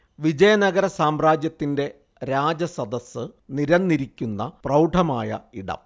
വിജയ നഗര സാമ്രാജ്യത്തിന്റെ രാജസദസ്സ് നിരന്നിരിക്കുന്ന പ്രൗഢമായ ഇടം